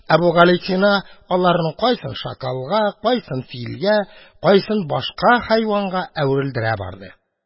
Әбүгалисина аларның кайсын шакалга, кайсын филгә, кайсын башка хайфанга әверелдерә барды.